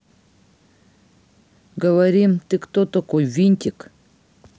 говорим ты кто такой винтик